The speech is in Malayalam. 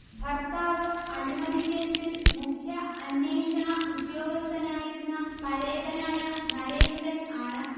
ഭർത്താവ് അഴിമതിക്കേസിൽ മുഖ്യ അന്വേഷണ ഉദ്യോഗസ്ഥനായിരുന്ന പരേതനായ നരേന്ദ്രൻ ആണ്